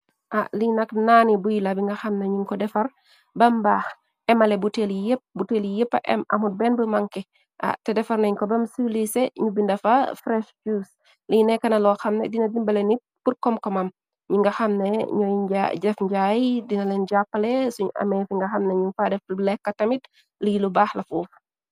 Lii nak naani buy la bi nga xam nañuñ ko defar bem baax. Emale bu teel yi yépp m amul benn bu mànke. Te defar nañ ko bem sulise ñubindafa freshjus. Lii nekkna loo xamne dina dimbale nit pur-koom komam. Nyu nga xamne ñooy jef njaay dina leen jàppale suñu amee fi nga xam na ñuñ fa def lekkka tamit lii lu baax la fofu.